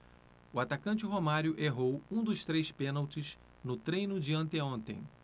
o atacante romário errou um dos três pênaltis no treino de anteontem